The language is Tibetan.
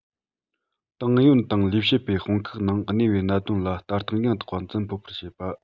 ཏང ཡོན དང ལས བྱེད པའི དཔུང ཁག ནང གནས པའི གནད དོན ལ ལྟ སྟངས ཡང དག པ འཛིན ཕོད པར བྱེད པ